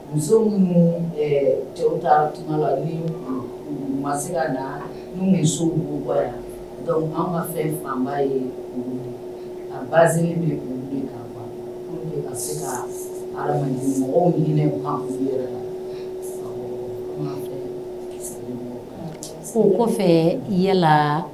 Muso la ni ma ka an ka fɛn ye ka ba ka mɔgɔw ɲinin kan fo kɔfɛ yalala